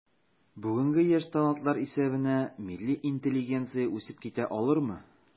Бүгенге яшь талантлар исәбенә милли интеллигенция үсеп китә алырмы?